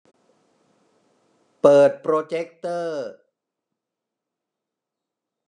เปิดโปรเจกเตอร์